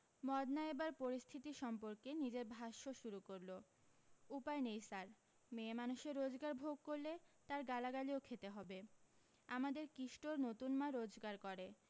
মদনা এবার পরিস্থিতি সম্পর্কে নিজের ভাষ্য শুরু করলো উপায় নেই স্যার মেয়েমানুষের রোজগার ভোগ করলে তার গালাগালিও খেতে হবে আমাদের কিষ্টোর নতুন মা রোজগার করে